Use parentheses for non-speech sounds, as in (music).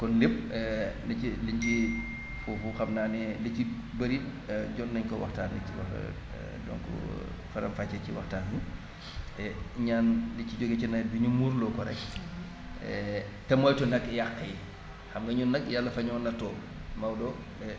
kon lépp (hesitation) li ci (noise) li ci foofu xam naa ne li ci bëri it (hesitation) jot nañ ko waxtaane ci (hesitation) donc faram-fàccee ci waxtaan yi et ñaan li ci jógee ci nawet bi ñu muurloo ko rekk et te moytu nag yàq yi xam nga ñun nag Yàlla dafa ñoo nattoo Maodo et